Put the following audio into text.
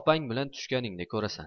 opang bilan tushganingda ko'rasan